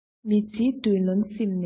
མི ཚེའི མདུན ལམ གསེབ ནས